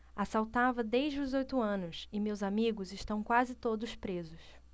assaltava desde os oito anos e meus amigos estão quase todos presos